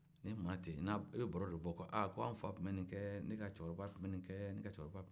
ni mɔra ten i bɛ baro de bɔ ko aa an fa tun bɛ nin kɛ ne ka cekɔrɔba tun bɛ nin kɛ ne ka cekɔrɔba tun bɛ nin kɛ